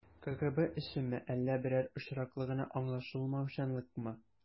КГБ эшеме, әллә берәр очраклы гына аңлашылмаучанлыкмы?